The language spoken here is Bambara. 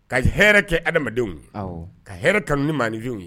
Ka hɛrɛɛ kɛ adamadenw ye ka hɛrɛ kanu ni manfinw ye